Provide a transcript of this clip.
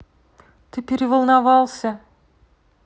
ты переволновался